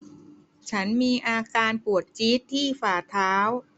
ฉันมีอาการปวดจี๊ดที่ฝ่าเท้า